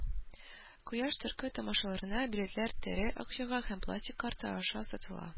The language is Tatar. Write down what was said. Кояш циркы тамашаларына билетлар “тере” акчага һәм пластик карта аша сатыла